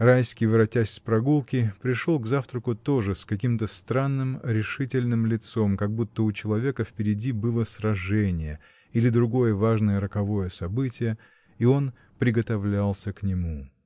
Райский, воротясь с прогулки, пришел к завтраку тоже с каким-то странным, решительным лицом, как будто у человека впереди было сражение или другое важное, роковое событие и он приготовлялся к нему.